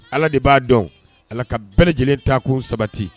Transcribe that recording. Ala de b'a dɔn ala ka bɛɛ lajɛlen taabolo kun sabati